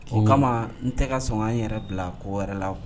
O kama n tɛ ka son an yɛrɛ dilan ko wɛrɛ la